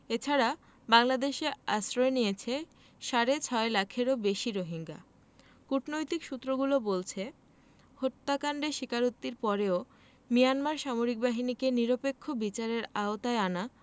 এ ছাড়া বাংলাদেশে আশ্রয় নিয়েছে সাড়ে ছয় লাখেরও বেশি রোহিঙ্গা কূটনৈতিক সূত্রগুলো বলছে হত্যাকাণ্ডের স্বীকারোক্তির পরও মিয়ানমারের সামরিক বাহিনীকে নিরপেক্ষ বিচারের আওতায় আনা